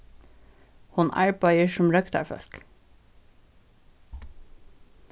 hon arbeiðir sum røktarfólk